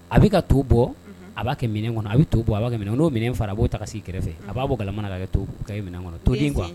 A bɛ ka to bɔ a b'a kɛ min kɔnɔ a bɛ to bɔ a b'a minɛ kɔnɔ n'o minɛ fara a b'o ta ka sigi kɛrɛfɛ a b'a bɔ galama na ka kɛ minɛ kɔnɔ toden quoi